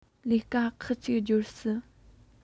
ལས ཀ ཁག གཅིག སྤྱོད སྲིད